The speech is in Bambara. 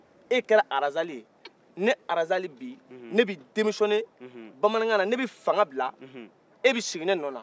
e kɛra arazli ye ne arazali bi ne bɛ demissionne bamanankan na ne bi fangan bila e bɛ sigi ne nɔnna